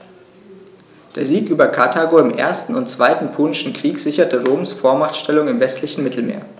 Der Sieg über Karthago im 1. und 2. Punischen Krieg sicherte Roms Vormachtstellung im westlichen Mittelmeer.